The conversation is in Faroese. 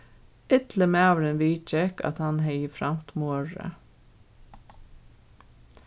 illi maðurin viðgekk at hann hevði framt morðið